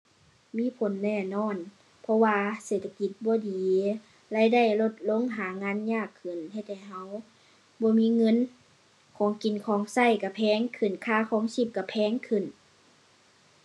มีผลแน่นอนเพราะว่าเศรษฐกิจบ่ดี รายได้ลดลงหางานยากขึ้น เฮ็ดให้เราบ่มีเงิน ของกินของเราเราแพงขึ้น ค่าครองชีพเราแพงขึ้น